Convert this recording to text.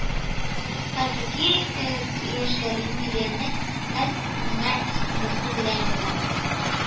Хәлбуки яшь галим Виленның нәкъ менә соңгысы белән генә